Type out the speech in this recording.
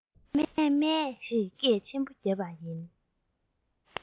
མཱེ མཱེ ཞེས སྐད ཆེན པོ བརྒྱབ པ ཡིན